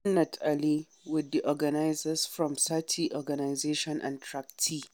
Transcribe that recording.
Jannat Ali with the organizers from Sathi organization and Track-T.